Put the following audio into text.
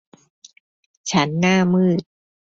ฉันหน้ามืด